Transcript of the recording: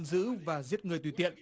giữ và giết người tùy tiện